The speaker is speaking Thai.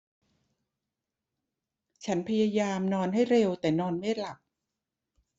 ฉันพยายามนอนให้เร็วแต่นอนไม่หลับ